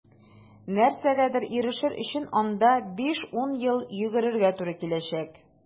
Нәрсәгәдер ирешер өчен анда 5-10 ел йөгерергә туры киләчәк.